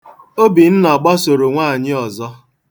Obinna gbasoro nwaanyị ọzọ.